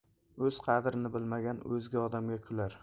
o'z qadrini bilmagan o'zga odamga kular